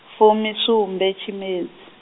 fumisumbe tshimedzi.